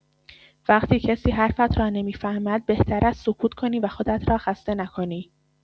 وقتی کسی حرفت را نمی‌فهمد، بهتر است سکوت کنی و خودت را خسته نکنی.